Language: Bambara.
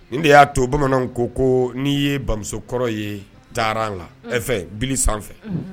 Nin de y'a to bamananw ko ko n' ye bamusokɔrɔ ye taara kan bi sanfɛ